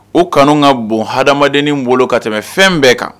O kanu ka bon hadamadennin bolo ka tɛmɛ fɛn bɛɛ kan.